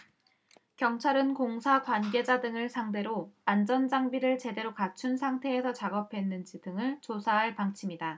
경찰은 공사 관계자 등을 상대로 안전장비를 제대로 갖춘 상태에서 작업했는지 등을 조사할 방침이다